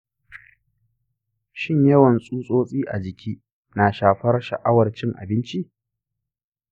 shin yawan tsutsotsi a jiki na shafar sha’awar cin abinci?